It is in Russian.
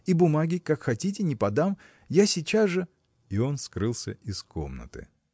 И бумаги, как хотите, не подам, я сейчас же. И он скрылся из комнаты.